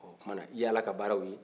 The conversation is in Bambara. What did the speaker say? o tuma na i ye ala ka baaraw ye